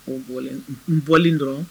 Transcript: O bɔ n bɔlen dɔrɔn